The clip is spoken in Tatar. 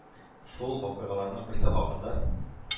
Шул вакыйгаларның берсе хакында